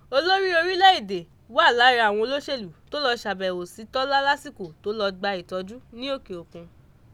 "Olórí orílẹ́ èdè wà lára àwọn olóṣèlú tó lọ ṣàbẹ̀wò sí Tọ́lá lásìkò tó lọ gba ìtọ́jú ní òkè òkun.